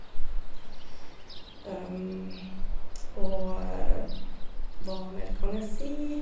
Og hva mer kan jeg si?